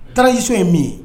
Taara iso ye min ye